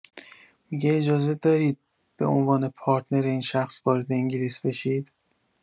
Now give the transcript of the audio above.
می‌گه اجازه دارید به عنوان پارتنر این شخص وارد انگلیس بشید؟